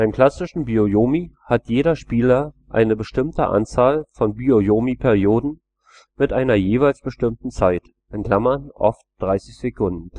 klassischen Byo-Yomi hat jeder Spieler eine bestimmte Anzahl von Byo-Yomi-Perioden mit einer jeweils bestimmten Zeit (oft 30 Sekunden